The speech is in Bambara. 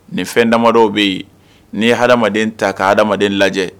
Nin fɛn damadɔ bɛ yen n'i ye hadamaden ta ka ha hadamaden lajɛ